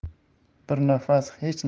bir nafas hech